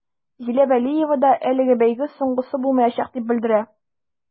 Зилә вәлиева да әлеге бәйге соңгысы булмаячак дип белдерә.